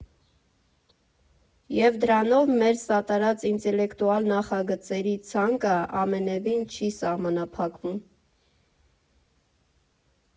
Եվ դրանով մեր սատարած ինտելեկտուալ նախագծերի ցանկը ամենևին չի սահմանափակվում։